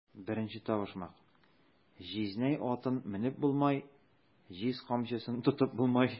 Беренче табышмак: "Җизнәй атын менеп булмай, җиз камчысын тотып булмай!"